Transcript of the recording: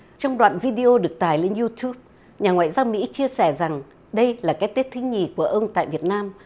trong đoạn vi đi ô được tải lên diu túp nhà ngoại giao mỹ chia sẻ rằng đây là cái tết thứ nhì của ông tại việt nam